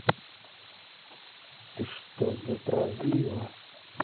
ты что затравила